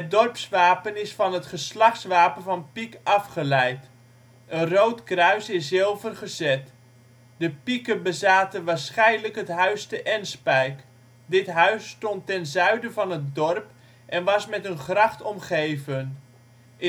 dorpswapen is van het geslachtswapen van Pieck afgeleid: een rood kruis in zilver gezet. De Piecken bezaten waarschijnlijk het Huis te Enspijk. Dit huis stond ten zuiden van het dorp en was met een gracht omgeven. In